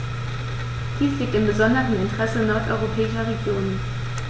Dies liegt im besonderen Interesse nordeuropäischer Regionen.